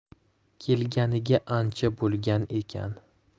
kelganiga ancha bo'lgan ekan